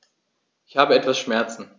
Ich habe etwas Schmerzen.